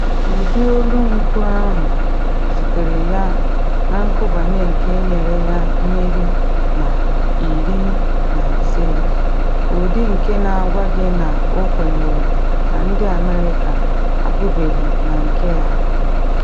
Ụdị olu mkpu ahụ zutere ya na nkụbanye nke nyere ha mmeri na 15, ụdị nke na-agwa gị na ọ kwenyere na ndị America apụbeghị na nke a.